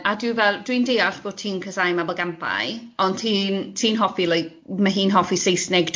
Yym a dwi fel dwi'n deall bod ti'n casáu mabolgampau, ond ti'n ti'n hoffi like ma' hi'n hoffi Saesneg,